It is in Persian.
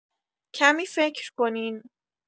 کمی فکر کنین